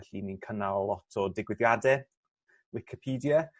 felly ni'n cynnal lot o digwyddiade wicipedia